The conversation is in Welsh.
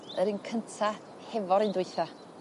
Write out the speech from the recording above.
yr un cynta hefo'r un dwytha.